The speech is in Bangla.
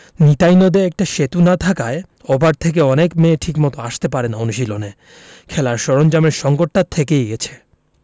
নিতাই নদে একটা সেতু না থাকায় ও পার থেকে অনেক মেয়ে ঠিকমতো আসতে পারে না অনুশীলনে খেলার সরঞ্জামের সংকটটা থেকেই গেছে